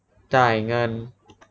จ่ายเงิน